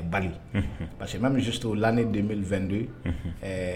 Bari, unhun Parce que même juste l'année 2022 unhun, ɛɛ